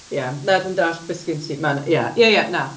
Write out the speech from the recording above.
Ia na, dwi'n dallt beth sy gen ti. Ma' 'na... ia ia ia na.